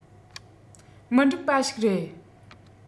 མི འགྲིག པ ཞིག རེད